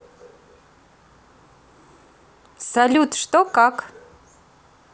салют что как